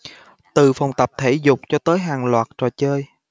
từ phòng tập thể dục cho tới hàng loạt trò chơi